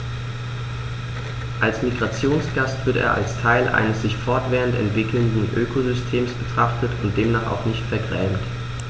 Als Migrationsgast wird er als Teil eines sich fortwährend entwickelnden Ökosystems betrachtet und demnach auch nicht vergrämt.